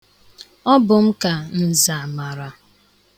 Ọ bụ m ka nza mara.